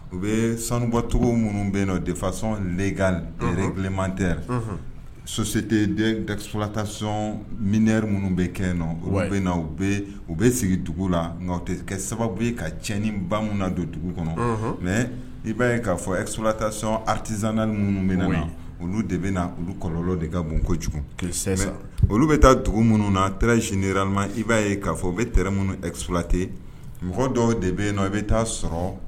U bɛ sanubɔcogo minnu bɛ yen nɔ defasɔn lekamantɛ sosositessolatason miniri minnu bɛ kɛ nɔ olu bɛ yen na u bɛ u bɛ sigi dugu la nka sababu ka cɛnin ba minnu na don dugu kɔnɔ mɛ i b'a yen kaa fɔ esulalatac atiz naani minnu bɛ na olu de bɛ na olu kɔlɔlɔ de ka bon kojugusɛ olu bɛ taa dugu minnu na teri sini i b'a ye kaa fɔ u bɛ minnu esulalate mɔgɔ dɔw de bɛ yen nɔ i bɛ taa sɔrɔ